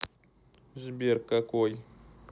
сбер какой